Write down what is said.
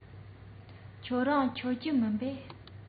ཁྱོད རང མཆོད ཀྱི མིན པས